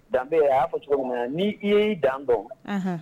Danbe ɛ a y'a fɔ cogomin na n'i i ye i dan dɔn anhan